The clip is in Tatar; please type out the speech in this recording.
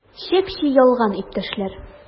Чеп-чи ялган, иптәшләр!